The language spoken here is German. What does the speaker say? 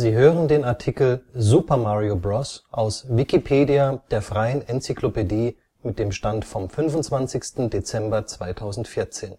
hören den Artikel Super Mario Bros., aus Wikipedia, der freien Enzyklopädie. Mit dem Stand vom Der